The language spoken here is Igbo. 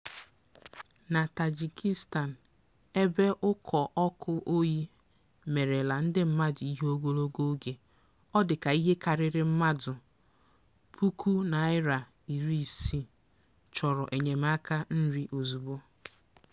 Na Tajikistan, ebe ụkọ ọkụ oyi merela ndị mmadụ ihe ogologo oge, ọ dịka ihe karịrị mmadụ 260,000 chọrọ enyemaka nri ozugbo.